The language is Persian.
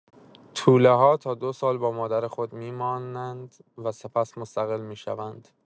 توله‌ها تا دو سال با مادر خود می‌مانند و سپس مستقل می‌شوند.